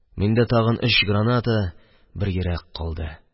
Миндә тагын өч граната, бер йөрәк калды.